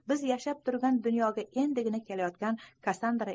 biz yashab turgan dunyoga endigina kelayotgan kassandra